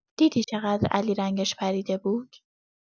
دیدی چقدر علی رنگش پریده بود؟